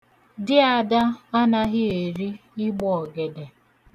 Di Ada anaghị eri ịgbọọgede.